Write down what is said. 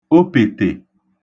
opètè